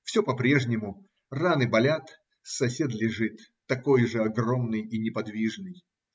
Все по-прежнему: раны болят, сосед лежит, такой же огромный и неподвижный.